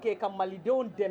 Ka malidenw dɛmɛ